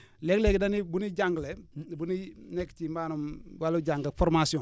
léeg-léeg dañuy bu ñuy jàngale bu ñuy nekk ci maanaam wàllu jàng formation